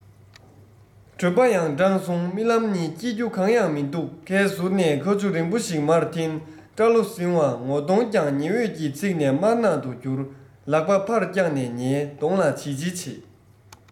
གྲོད པ ཡང འགྲངས སོང རྨི ལམ ནི སྐྱིད རྒྱུ གང ཡང མི འདུག ཁའི ཟུར ནས ཁ ཆུ རིང པོ ཞིག མར འཐེན སྐྲ ལོ ཟིང བ ངོ གདོང ཀྱང ཉི འོད ཀྱིས ཚིག ནས དམར ནག ཏུ གྱུར ལག པ ཕར བརྐྱངས ནས ཉལ གདོང ལ བྱིལ བྱིལ བྱེད